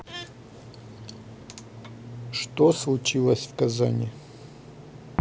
что случилось в казани